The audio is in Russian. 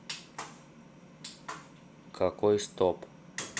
какой стоп